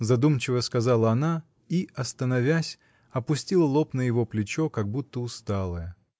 — задумчиво сказала она и, остановясь, опустила лоб на его плечо, как будто усталая.